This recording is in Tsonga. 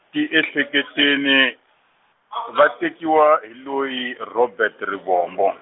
tiehleketeni, va tekiwa hi loyi Robert Rivombo.